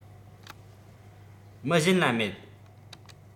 མི གཞན ལ མེད